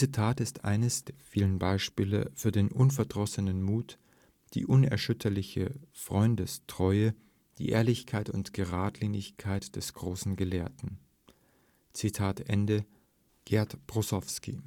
Tat ist eines der vielen Beispiele für den unverdrossenen Mut, die unerschütterliche Freundestreue, die Ehrlichkeit und Geradlinigkeit des großen Gelehrten. “– Gerd Brosowski